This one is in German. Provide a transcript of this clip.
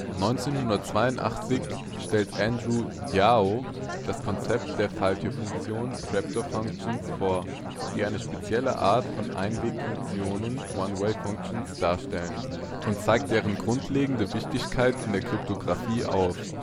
1982 stellt Andrew Yao das Konzept der Falltürfunktionen (trapdoor functions) vor, die eine spezielle Art von Einwegfunktionen (one way functions) darstellen, und zeigt deren grundlegende Wichtigkeit in der Kryptographie auf